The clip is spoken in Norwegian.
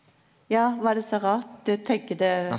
ja var det så rart du tenker det.